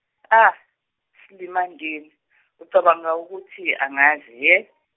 ah silima ndini ucabanga ukuthi angazi hhe?